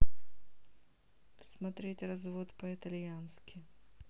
смотреть развод по итальянски